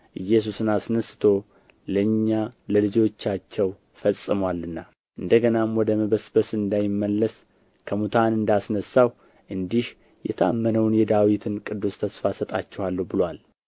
ኢየሱስን አስነሥቶ ለእኛ ለልጆቻቸው ፈጽሞአልና እንደገናም ወደ መበስበስ እንዳይመለስ ከሙታን እንደ አስነሣው እንዲህ የታመነውን የዳዊትን ቅዱስ ተስፋ እሰጣችኋለሁ ብሎአል